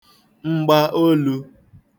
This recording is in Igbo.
mgbaolū